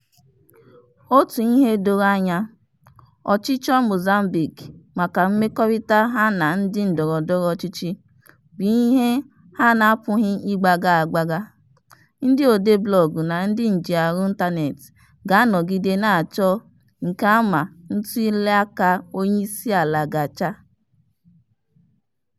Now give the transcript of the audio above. Otu ihe doro anya, ọchịchọ Mozambique maka mmekọrịta ha na ndị ndọrọndọrọ ọchịchị bụ ihe ha na-apụghị ịgbagha agbagha, ndị odee blọọgụ na ndị njiarụ ịntaneetị ga-anọgide na-achọ nke a ma ntuliaka Onyeisiala gachaa.